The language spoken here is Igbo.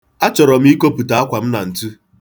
Achọrọ m ikopute ákwà m na ntu.